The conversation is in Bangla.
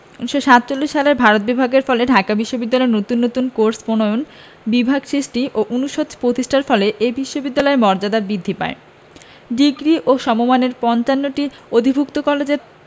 ১৯৪৭ সালে ভারত বিভাগের ফলে ঢাকা বিশ্ববিদ্যালয়ে নতুন নতুন কোর্স প্রণয়ন বিভাগ সৃষ্টি ও অনুষদ প্রতিষ্ঠার ফলে এ বিশ্ববিদ্যালয়ের মর্যাদা বৃদ্ধি পায় ডিগ্রি ও সমমানের ৫৫টি অধিভুক্ত কলেজের